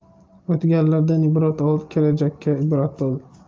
o'tganlardan ibrat ol kelajakka ibrat bo'l